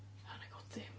O wna i godi.